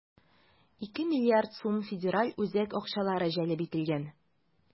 2 млрд сум федераль үзәк акчалары җәлеп ителгән.